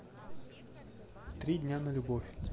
три дня на любовь